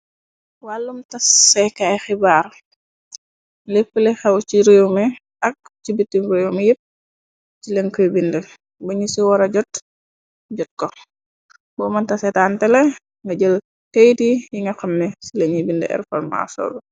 Wàllum taseekaay xibaar léppali xew ci réewmi ak ci bitum réew mi yépp ci len kuy bind bañu ci wara jot jot ko boo mën tassee tantala nga jël tey ti yi nga xonne ci lañuy bind herformasobi.